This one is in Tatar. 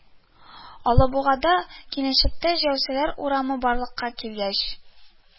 Алабугада да киләчәктә җәяүлеләр урамы барлыкка киләчәк